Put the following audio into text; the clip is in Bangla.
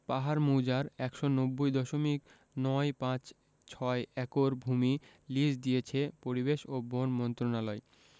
পাহাড় মৌজার ১৯০ দশমিক নয় পাঁচ ছয় একর ভূমি লিজ দিয়েছে পরিবেশ ও বন মন্ত্রণালয়